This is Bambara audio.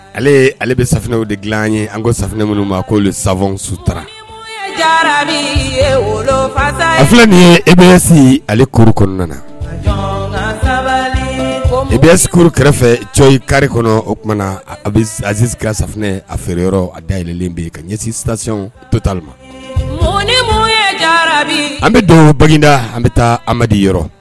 Ale ale bɛ sanfɛfw de dilan ye an ko sanfɛf minnu ma k' sa sutafasafi min ye e bɛ si ale kuru kɔnɔna na e bɛsiurun kɛrɛfɛ cogo kariri kɔnɔ o tumana na azsika sanfɛfunɛ a feere yɔrɔ a daylen bɛ yen ka ɲɛsi sisansi to ma ni ye an bɛ dɔn bangegda an bɛ taa amadudi yɔrɔ